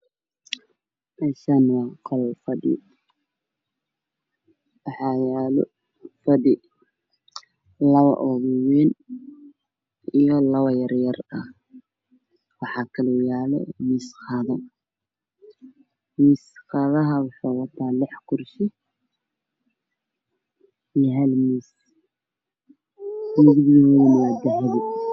Meeshani waa qolfadhi waxa yaalo fadhi labo waa wayn iyo labo yaryar waxakalooyaalo qaade miis qaadahaasi wuxu wataa lixkursi iyo halmiis